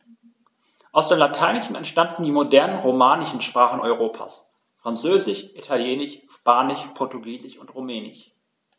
Aus dem Lateinischen entstanden die modernen „romanischen“ Sprachen Europas: Französisch, Italienisch, Spanisch, Portugiesisch und Rumänisch.